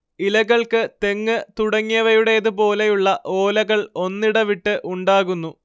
ഇലകൾക്ക് തെങ്ങ് തുടങ്ങിയവയുടേതുപോലെയുള്ള ഓലകൾ ഒന്നിടവിട്ട് ഉണ്ടാകുന്നു